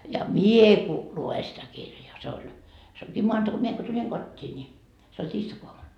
ja minä kun luen sitä kirjaa se oli se onkin - minä kun tulin kotiin niin se oli tiistaiaamuna